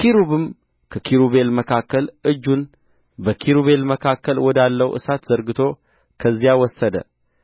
ኪሩብም ከኪሩቤል መካከል እጁን በኪሩቤል መካከል ወዳለው እሳት ዘርግቶ ከዚያ ወሰደ